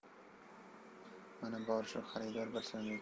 mana bori shu xaridor bir so'mlik